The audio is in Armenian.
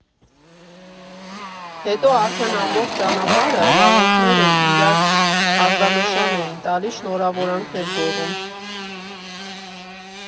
Հետո արդեն ամբողջ ճանապարհ վարորդները իրար ազդանշան էին տալիս, շնորհավորանքներ գոռում։